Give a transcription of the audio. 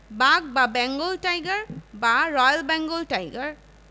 বাঘ বা Bengal tiger বা রয়েল বেঙ্গল টাইগার